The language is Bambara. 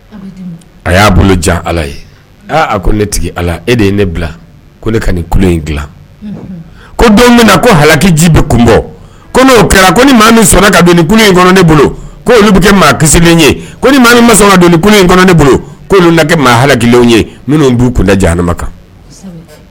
A y' bolo jan ala ye a ko ne ala e de ye ne bila ne ka ku in dila ko don bɛna ko hakiji bɛ kun bɔ ko kɛra ko ni maa min sɔnna ka don kunun in kɔnɔ ne bolo ko olu bɛ kɛ maa kisi ye ko ni maa masa ka don kunun in kɔnɔ ne bolo kɛ haki ye minnu b'u kun da adama kan